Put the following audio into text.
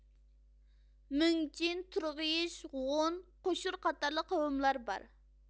مىڭچىن تۇرغىيىش غۇن قوشۇر قاتارلىق قوۋملار بار